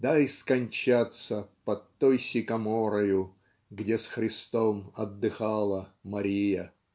Дай скончаться под той сикоморою, Где с Христом отдыхала Мария.